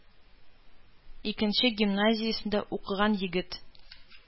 Икенче гимназиясендә укыган егет